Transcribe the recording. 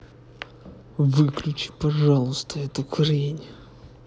выключи пожалуйста эту хрень